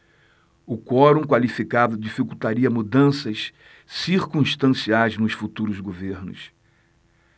o quorum qualificado dificultaria mudanças circunstanciais nos futuros governos